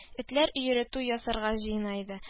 Этләр өере туй ясарга җыена иде